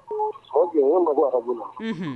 Ok n ye n mabɔ arajo la